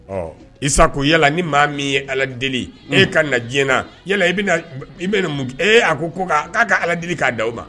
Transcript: Ɔ isa ko yala ni maa min ye ala deli' ye ka na diɲɛna yala i bɛ e a ko ko k'a ka ala deli k'a di aw ma